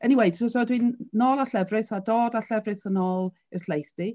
Anyway so so dw i'n nôl y llefrith a dod â llefrith yn ôl i'r llaethdy.